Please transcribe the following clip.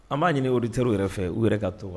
An b'a ɲini o terirw yɛrɛ fɛ u yɛrɛ ka to wa